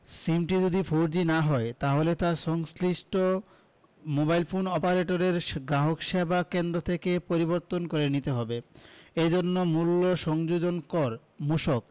সিমটি যদি ফোরজি না হয় তাহলে তা সংশ্লিষ্ট মোবাইল ফোন অপারেটরের গ্রাহকসেবা কেন্দ্র থেকে পরিবর্তন করে নিতে হবে এ জন্য মূল্য সংযোজন কর মূসক